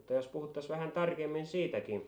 mutta jos puhuttaisiin vähän tarkemmin siitäkin